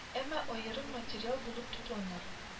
Әмма аерым материал булып тупланыр